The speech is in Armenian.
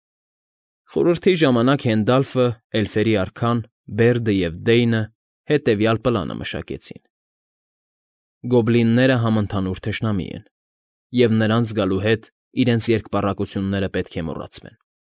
Խորհրդի ժամանակ Հենդալֆը, էլֆերի արքան, Բերդը և Դեյնը հետևյալ պլանը մշակեցին. գոբլիններն համընդհանուր թշնամի են, և նրանց գալու հետ իրենց երկպառակտությունները պետք է մոռացվեն։